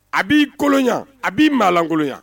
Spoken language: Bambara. A b'i kolonya, a b'i maalankolonya